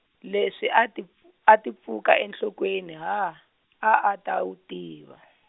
leswi a ti a ti pfuka enhlokweni ha, a a ta wu tiva.